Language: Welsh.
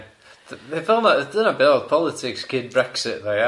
D- dwi'n fel ma yy dyna be oedd politics cyn Brexit ddo ia?